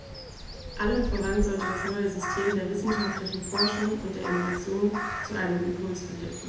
Allem voran sollte das neue System der wissenschaftlichen Forschung und der Innovation zu einem Impuls verhelfen.